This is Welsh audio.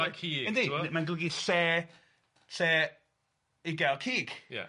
Yndy mae'n golygu lle, lle i gael cig... Ia.